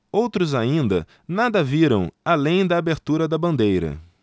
outros ainda nada viram além da abertura da bandeira